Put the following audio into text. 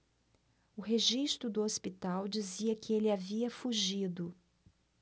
o registro do hospital dizia que ele havia fugido